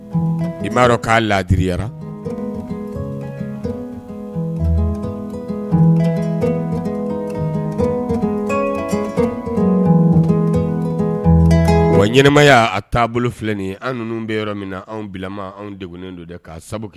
I m'a dɔn k'a laadiyara ɲɛnɛma y'a taabolo filɛ an ninnu bɛ yɔrɔ min anw bila anw degnen don k'a sababu